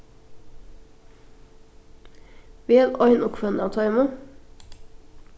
vel ein og hvønn av teimum